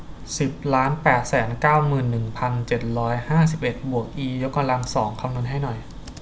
สิบล้านแปดแสนเก้าหมื่นหนึ่งพันเจ็ดร้อยห้าสิบเอ็ดบวกอียกกำลังสองคำนวณให้หน่อย